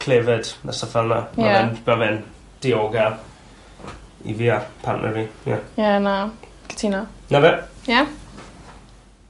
clefyd a stwff fel 'na. Ie. Ma' fe'n ma' fe'n diogel i fi a partner fi ie. Ie na. Cytuno. 'Na fe. Ie.